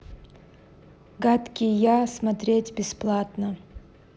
гадкий я смотреть бесплатно